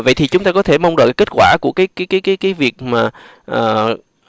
vậy thì chúng ta có thể mong đợi kết quả của kí kí kí kí kí việc mà ờ